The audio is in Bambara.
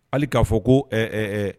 Hali k'a fɔ ko